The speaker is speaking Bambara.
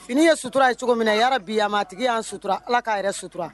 N'i ye sutura ye cogo min na i' bi a ma tigi y'a sutura ala ka yɛrɛ sutura